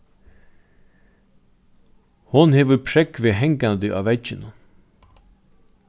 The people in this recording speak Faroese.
hon hevur prógvið hangandi á vegginum